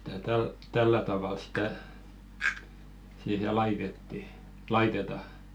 että tällä tavalla sitä siihen laitettiin laitetaan